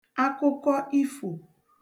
akụkọ ifò